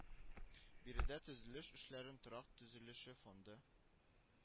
Биредә төзелеш эшләрен Торак төзелеше фонды